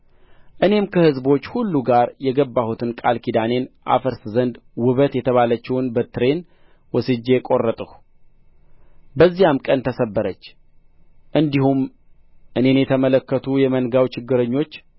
እኔም ከሕዝቦች ሁሉ ጋር የገባሁትን ቃል ኪዳኔን አፈርስ ዘንድ ውበት የተባለችውን በትሬን ወስጄ ቈረጥሁ በዚያም ቀን ተሰበረች እንዲሁም እኔን የተመለከቱ የመንጋው ችግረኞች